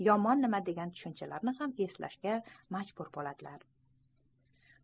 yomon nima degan tushunchalarni ham eslashga majbur bo'ladilar